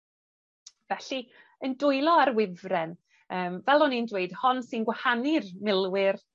Felly, ein dwylo ar wifren. Yym fel o'n i'n dweud hon sy'n gwahanu'r milwyr,